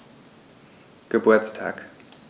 Geburtstag